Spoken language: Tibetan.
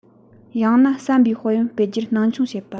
ཡང ན བསམ པའི དཔལ ཡོན སྤེལ རྒྱུར སྣང ཆུང བྱེད པ